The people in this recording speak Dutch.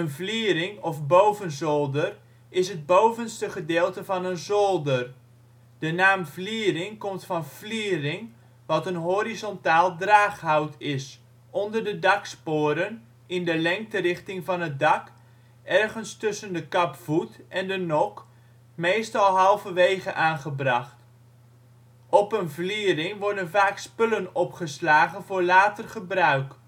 vliering of bovenzolder is het bovenste gedeelte van een zolder. De naam vliering komt van fliering wat een horizontaal draaghout is, onder de daksporen, in de lengterichting van het dak, ergens tussen de kapvoet en de nok, meestal halverwege aangebracht. Op een vliering worden vaak spullen opgeslagen voor later gebruik